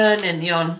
Yn union.